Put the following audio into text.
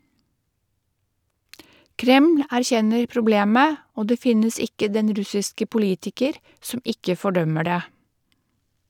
Kreml erkjenner problemet, og det finnes ikke den russiske politiker som ikke fordømmer det.